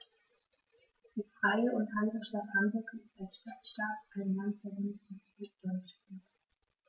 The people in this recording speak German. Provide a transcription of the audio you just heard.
Die Freie und Hansestadt Hamburg ist als Stadtstaat ein Land der Bundesrepublik Deutschland.